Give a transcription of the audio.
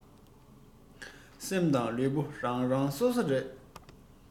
སེམས དང ལུས པོ རང རང སོ སོ རེད